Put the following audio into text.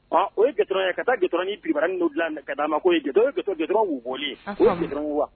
O ye g dɔrɔn ye ka taa jate dɔrɔnrin bibban n' bila ka'a ma ko ye jate dɔrɔn wu welelen dɔrɔn wa